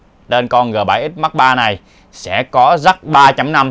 trên con g x mark iii này sẽ có jack